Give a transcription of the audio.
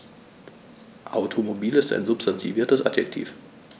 Automobil ist ein substantiviertes Adjektiv.